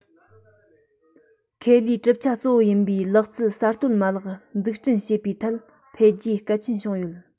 ཁེ ལས གྲུབ ཆ གཙོ བོ ཡིན པའི ལག རྩལ གསར གཏོད མ ལག འཛུགས སྐྲུན བྱེད པའི ཐད འཕེལ རྒྱས གལ ཆེན བྱུང ཡོད